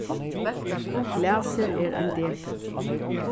glasir er ein depil